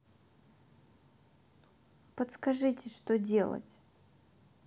подскажите что делать